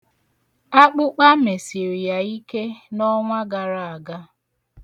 Akpụkpụ mesiri ya ike n'ọnwa gara aga.